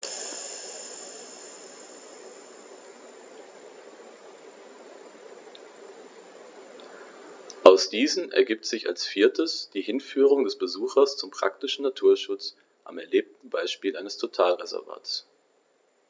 Aus diesen ergibt sich als viertes die Hinführung des Besuchers zum praktischen Naturschutz am erlebten Beispiel eines Totalreservats.